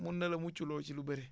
mun na la muccloo ci lu bëri